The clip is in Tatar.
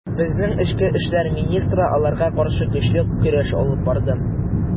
Безнең эчке эшләр министры аларга каршы көчле көрәш алып барды.